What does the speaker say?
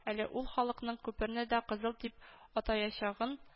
Әле ул халыкның күперне дә кызыл дип атаячагын